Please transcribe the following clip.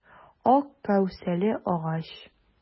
Ак кәүсәле агач.